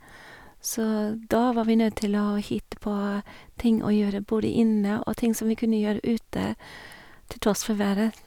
Så da var vi nødt til å hitte på ting å gjøre både inne og ting som vi kunne gjøre ute til tross for været.